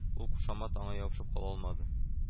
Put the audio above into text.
Ул кушамат аңа ябышып кала алмады